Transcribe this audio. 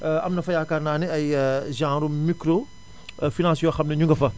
am na fa yaakaar naa ni ay genre ru micro finance yoo xam ne ñu nga fa